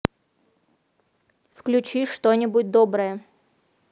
включи что нибудь доброе